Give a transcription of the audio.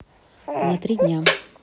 на три дня